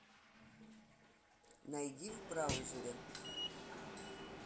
найди в браузере